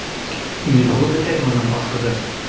Ни булып бетәр моның ахыры?